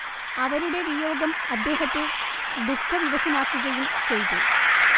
അവരുടെ വിയോഗം അദ്ദേഹത്തെ ദുഃഖവിവശനാക്കുകയും ചെയ്തു